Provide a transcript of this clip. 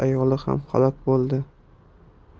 ayoli ham halok bo'ldi